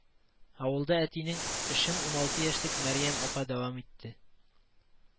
Авылда әтинең эшен уналты яшьлек Мәрьям апам дәвам итте